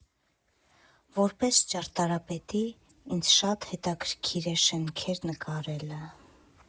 Որպես ճարտարապետի՝ ինձ շատ հետաքրքիր է շենքեր նկարելը։